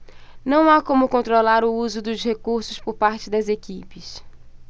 não há como controlar o uso dos recursos por parte das equipes